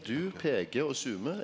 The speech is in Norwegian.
du peikar og zoomar.